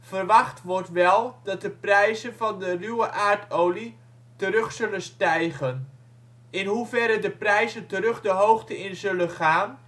Verwacht wordt wel dat de prijzen van de ruwe aardolie terug zullen stijgen. In hoeverre de prijzen terug de hoogte in zullen gaan